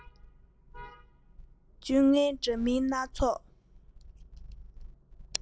སྤྱོད ངན འདྲ མིན སྣ ཚོགས